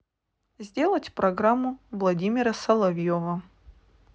сделать программу владимира соловьева